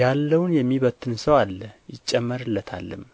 ያለውን የሚበትን ሰው አለ ይጨመርለታልም